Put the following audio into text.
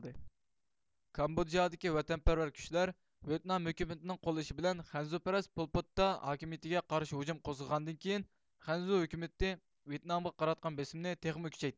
كامبودژادىكى ۋەتەنپەرۋەر كۈچلەر ۋيېتنام ھۆكۈمىتىنىڭ قوللىشى بىلەن خەنزۇپەرەس پولپوتتا ھاكىمىيىتىگە قارشى ھۇجۇم قوزغىغاندىن كېيىن خەنزۇ ھۆكۈمىتى ۋيېتنامغا قاراتقان بېسىمىنى تېخىمۇ كۈچەيتتى